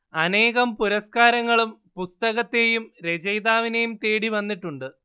അനേകം പുരസ്കരങ്ങളും പുസ്തകത്തെയും രചയിതാവിനെയും തേടിവന്നിട്ടുണ്ട്